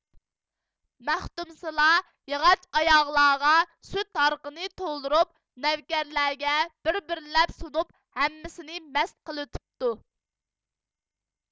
مەختۇمسۇلا ياغاچ ئاياغلارغا سۈت ھارىقىنى تولدۇرۇپ نۆۋكەرلەرگە بىر بىرلەپ سۇنۇپ ھەممىسىنى مەست قىلىۋېتىپتۇ